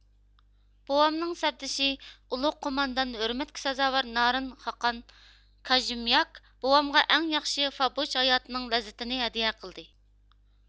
بوۋامنىڭ سەپدىشى ئۇلۇغ قوماندان ھۆرمەتكە سازاۋەر نارىن خاقان كاژېمياك بوۋامغا ئەڭ ياخشى فابۇچ ھاياتنىڭ لەززىتىنى ھەدىيە قىلدى